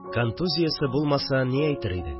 Контузиясе булмаса, ни әйтериең